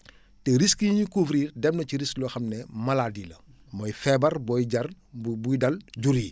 te risque yi ñiy couvrir dem na ci risque loo xam ne maladie la mooy feebar booy jar buy dal jur yi